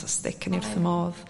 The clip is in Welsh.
ffantastig oni wrth fy modd